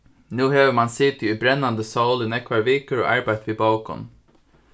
nú hevur mann sitið í brennandi sól í nógvar vikur og arbeitt við bókum